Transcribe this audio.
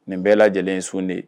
Nin bɛɛ lajɛlen in sun de